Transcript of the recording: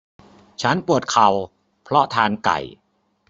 ฉันปวดเข่าเพราะทานไก่